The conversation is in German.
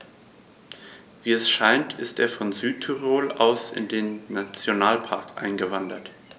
Wie es scheint, ist er von Südtirol aus in den Nationalpark eingewandert.